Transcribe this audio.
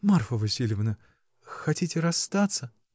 — Марфа Васильевна, хотите расстаться?